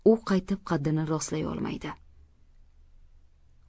u qaytib qaddini rostlayolmaydi